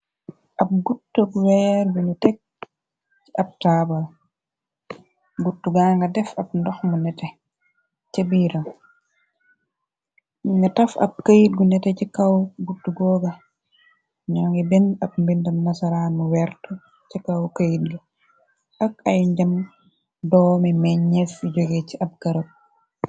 Ab guttuk weer biñu teg ci ab taabal gutu ga nga def ab ndox mu nete ca biira ina taf ab këyit gu nete ci kaw gut googa ñoo ngi benn ab mbindam nasaraanu wert ca kaw këyit gu ak ay njam doomi menñeef joge ci ab kërab